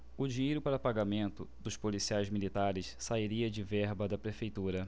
o dinheiro para pagamento dos policiais militares sairia de verba da prefeitura